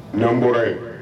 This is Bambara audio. Naan bɔra yen